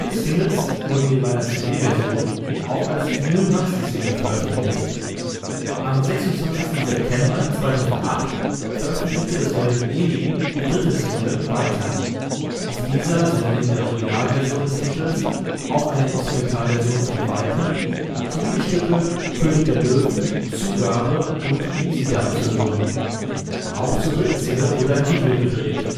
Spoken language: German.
Singles wurden neben einer CD-Version, auch als Vinyl Maxi-Single veröffentlicht. Am 26. September 2008 veröffentlichte das Label EMI die dritte Single Weiter. Auf dieser sind neben der Original-Version des Titels auch eine Instrumental-Version von Weiter sowie die Stücke König der Löwen, Zugabe und Easy Dub zu hören. Auch zur dritten Single wurde ein Video gedreht